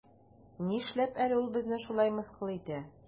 Нишләп әле ул безне шулай мыскыл итә?